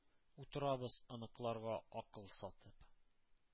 Утырабыз оныкларга акыл сатып.